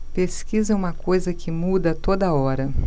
pesquisa é uma coisa que muda a toda hora